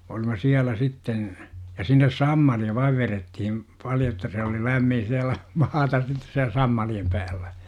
ja sinne sammalia vain vedettiin paljon että se oli lämmin siellä maata sitten siellä sammalien päällä